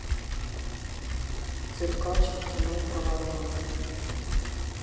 циркач кино про войну